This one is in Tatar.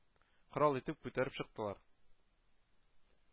Корал итеп күтәреп чыктылар,